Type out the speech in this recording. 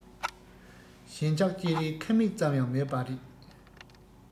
ཞེན ཆགས སྐྱེ རིན ཁབ མིག ཙམ ཡང མེད པ རེད